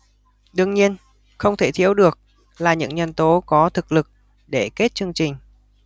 đương nhiên không thể thiếu được là những nhân tố có thực lực để kết chương trình